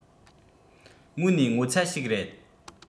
དངོས ནས ངོ ཚ ཞིག རེད